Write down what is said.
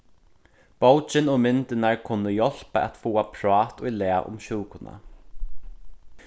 bókin og myndirnar kunnu hjálpa at fáa prát í lag um sjúkuna